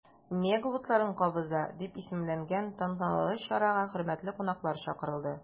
“мега утларын кабыза” дип исемләнгән тантаналы чарага хөрмәтле кунаклар чакырылды.